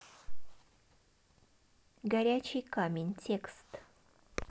горячий камень текст